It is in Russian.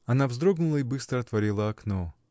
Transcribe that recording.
Она вздрогнула и быстро отворила окно.